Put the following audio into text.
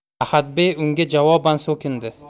ahadbey unga javoban so'kindi